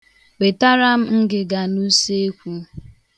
Wetara m ngịga n'useekwu.